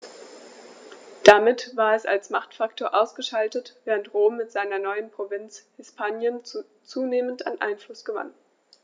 Damit war es als Machtfaktor ausgeschaltet, während Rom mit seiner neuen Provinz Hispanien zunehmend an Einfluss gewann.